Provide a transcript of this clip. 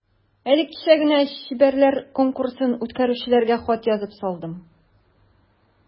Әле кичә генә чибәрләр конкурсын үткәрүчеләргә хат язып салдым.